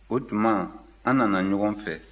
o tuma an nana ɲɔgɔn fɛ